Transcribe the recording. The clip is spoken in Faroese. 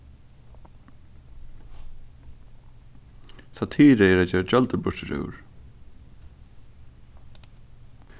satira er at gera gjøldur burturúr